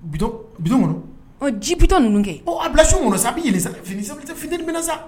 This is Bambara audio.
Bitɔn kɔnɔ ɔ ji bitɔn ninnu kɛ a bila so kɔnɔ sa a bɛ sa fittiri mina sa